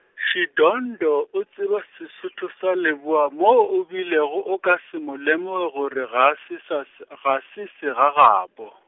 Shidondho o tseba Sesotho sa Leboa mo o bilego o ka se mo lemoge gore ga se sa s-, a ga se segagabo .